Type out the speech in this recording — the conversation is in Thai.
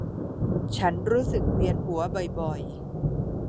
ฉันรู้สึกเวียนหัวบ่อยบ่อย